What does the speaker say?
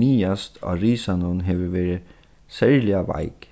niðast á risanum hevur verið serliga veik